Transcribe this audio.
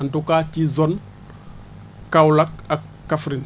en tout cas ci zone Kaolack ak Kaffrine